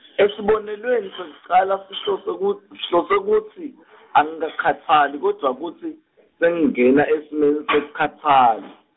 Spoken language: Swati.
esibonelweni sekucala sihlose kut-, sihlose kutsi, angikakhatsali kodvwa kutsi , sengingena esimeni sekukhatsala.